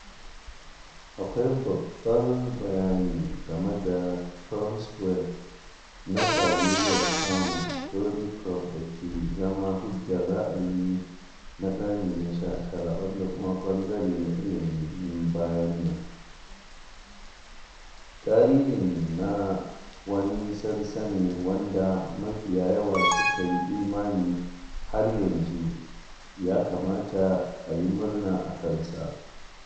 Akwai babbar bayani game da Cromwell na Sir William Hamo Thorneycroft da ke zama hujjar ra’ayi na karni na 19 wanda kuma ɓangare na ilimin bayanan tarihin na wani sananne wanda mafi yawa suka yi imani har yanzu ya kamata a yi murna a kansa.